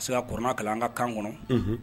Se ka kuranɛ kalan an ka kan kɔnɔ.